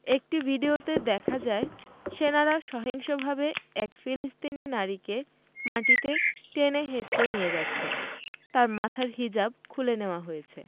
একটি ভিডিওতে দেখা যায় সেনারা সহিংসভাবে এক ফিলিস্তিনি নারীকে মাটিতে টেনে হেঁচড়ে নিয়ে যাচ্ছে তার মাথার হিজাব খুলে নেওয়া হয়েছে